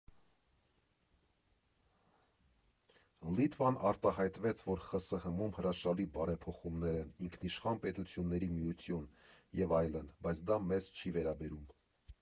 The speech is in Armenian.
Լիտվան արտահայտվեց, որ ԽՍՀՄ֊֊ում հրաշալի բարեփոխումներ են, Ինքնիշխան պետությունների Միություն, և այլն, բայց դա մեզ չի վերաբերում։